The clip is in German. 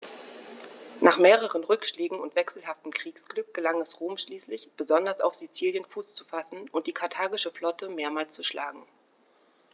Nach mehreren Rückschlägen und wechselhaftem Kriegsglück gelang es Rom schließlich, besonders auf Sizilien Fuß zu fassen und die karthagische Flotte mehrmals zu schlagen.